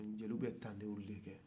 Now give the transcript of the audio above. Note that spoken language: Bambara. jeliw bɛ tanuni de kɛ